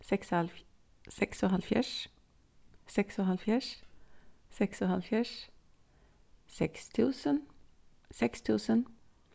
seksoghálvfjerðs seksoghálvfjerðs seksoghálvfjerðs seks túsund seks túsund